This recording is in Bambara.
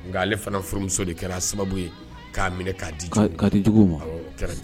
Nka ale fana furumuso de kɛra sababu ye, k'a minɛ ka di ma juguw ma. K'a k'a ka di juguw ma.